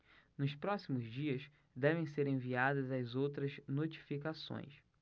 nos próximos dias devem ser enviadas as outras notificações